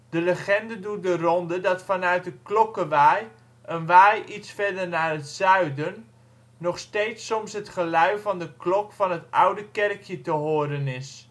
De legende doet de ronde dat vanuit de Klokkewaaij, een waai iets verder naar het zuiden, nog steeds soms het gelui van de klok van het oude kerkje te horen is